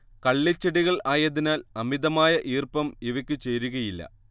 കള്ളിച്ചെടികൾ ആയതിനാൽ അമിതമായ ഈർപ്പം ഇവക്കു ചേരുകയില്ല